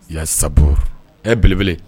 Ya sabure .ɛɛ belebele.